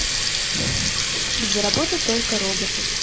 где работают только роботы